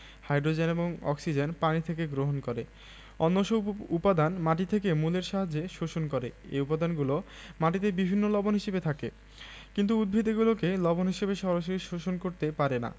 hydrogen এবং oxygen পানি থেকে গ্রহণ করে অন্যসব উপাদান মাটি থেকে মূলের সাহায্যে শোষণ করে এ উপাদানগুলো মাটিতে বিভিন্ন লবণ হিসেবে থাকে কিন্তু উদ্ভিদ এগুলোকে লবণ হিসেবে সরাসরি শোষণ করতে পারে না